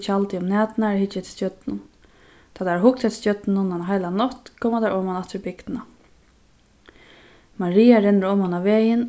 tjaldi um næturnar og hyggja eftir stjørnum tá teir hava hugt eftir stjørnunum eina heila nátt koma teir oman aftur í bygdina maria rennur oman á vegin